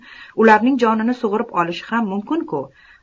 ularning jonini sug'urib olishi ham mumkin ku